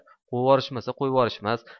ko'yvorishmasa qo'yvorishmas